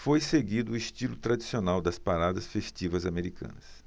foi seguido o estilo tradicional das paradas festivas americanas